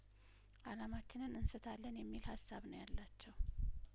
አላማችንን እንስታለን የሚል ሀሳብ ነው ያላቸው